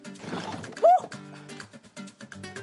<cerddoriaeth? Ww!